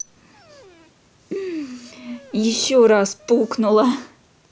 еще раз пукнула